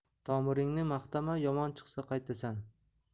tomiringni maqtama yomon chiqsa qaytasan